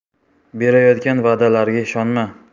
berayotgan va'dalariga ishonma